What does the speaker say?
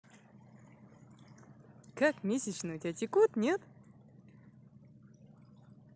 как месячные у тебя текут нет